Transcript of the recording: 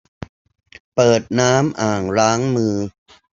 เปิดน้ำอ่างล้างมือ